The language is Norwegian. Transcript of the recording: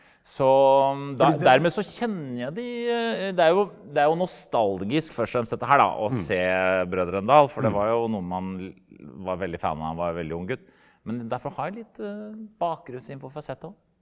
så da dermed så kjenner jeg de det er jo det er jo nostalgisk først og fremst dette her da å se Brødrene Dal for det var jo noe man var veldig fan av når man var veldig ung gutt, men derfor har jeg litt bakgrunnsinfo fra settet òg.